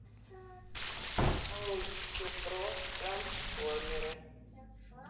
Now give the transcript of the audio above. мультики про трансформеры